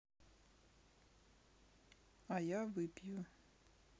а я выпью